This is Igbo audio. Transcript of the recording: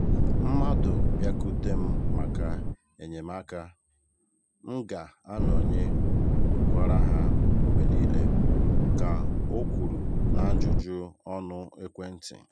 Mmadụ bịakute m maka enyemaaka, m ga-anọnye kwara ha mgbe niile, ka o kwuru n'ajụjụ ọnụ ekwentị.